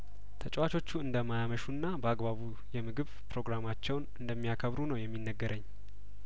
ተጫዋቾቹ እንደማ ያመሹና በአግባቡ የምግብ ፕሮግራማቸውን እንደሚያከብሩ ነው የሚነግረኝ